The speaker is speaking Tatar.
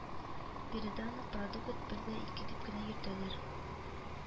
Биредә аны Продукт бер дә ике дип кенә йөртәләр